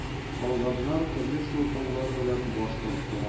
Калганнар төрле сылтаулар белән баш тарттылар.